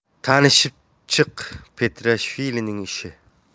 tanishib chiq petrashvilining ishi